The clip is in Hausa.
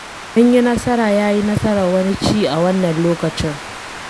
Mun yi nasara ya yi nasarar wani ci a wannan lokacin.”